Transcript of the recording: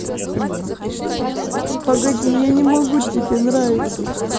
погоди я не могу тебе нравится